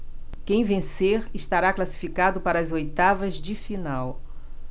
quem vencer estará classificado para as oitavas de final